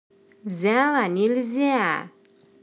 взяла нельзя